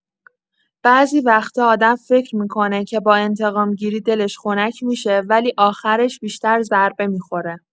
بعضی وقتا آدم فکر می‌کنه که با انتقام‌گیری دلش خنک می‌شه، ولی آخرش بیشتر ضربه می‌خوره.